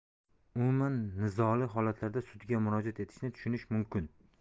umuman nizoli holatlarda sudga murojaat etishni tushunish mumkin